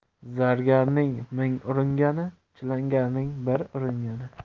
zargarning ming urgani chilangarning bir urgani